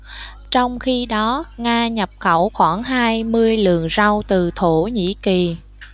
trong khi đó nga nhập khẩu khoảng hai mươi lượng rau từ thổ nhĩ kỳ